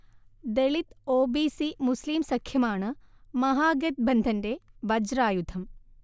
Dalit-OBC- Muslim സഖ്യമാണ് മഹാഗത്ബന്ധന്റെ വജ്രായുധം